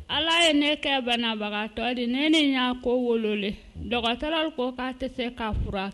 Ala ye ne kɛ banabagatɔ di ne ni ɲako wololen dɔgɔtɔrɔlu koo k'a tɛ se k'a fura